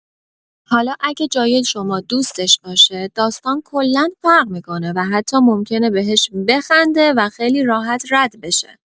حالا اگه جای شما دوستش باشه، داستان کلا فرق می‌کنه و حتی ممکنه بهش بخنده و خیلی راحت رد بشه.